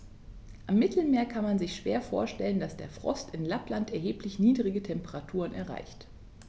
Am Mittelmeer kann man sich schwer vorstellen, dass der Frost in Lappland erheblich niedrigere Temperaturen erreicht.